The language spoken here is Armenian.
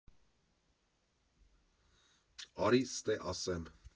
Արի ստե ասեմ։